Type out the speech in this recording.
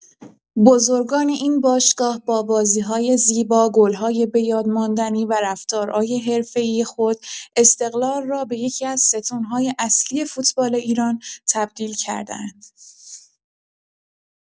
بزرگان این باشگاه با بازی‌های زیبا، گل‌های بۀادماندنی و رفتارهای حرفه‌ای خود، استقلال را به یکی‌از ستون‌های اصلی فوتبال ایران تبدیل کرده‌اند.